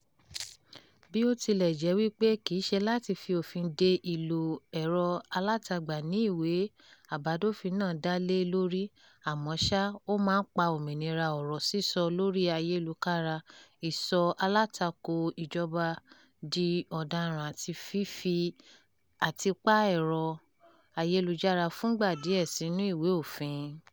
Bí-ó-ti-lẹ̀-jẹ́-wípé, kì í ṣe láti fi òfin de ìlò ẹ̀rọ alátagbà ni ìwé àbádòfin náà dá lé lórí, àmọ́ ṣá, ó máa pa òmìnira ọ̀rọ̀ sísọ lórí ayélujára, ìsọ alátakò ìjọba di ọ̀daràn àti fífi àtìpà ẹ̀rọ ayélujára fúngbà díẹ̀ sínú ìwé òfin.